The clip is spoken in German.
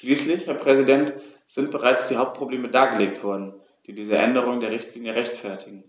Schließlich, Herr Präsident, sind bereits die Hauptprobleme dargelegt worden, die diese Änderung der Richtlinie rechtfertigen,